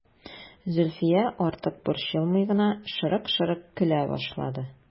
Зөлфия, артык борчылмый гына, шырык-шырык көлә башлады.